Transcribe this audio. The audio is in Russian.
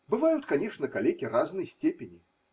Бывают, конечно, калеки разной степени.